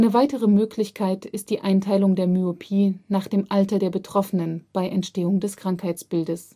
weitere Möglichkeit ist die Einteilung der Myopie nach dem Alter der Betroffenen bei Entstehung des Krankheitsbildes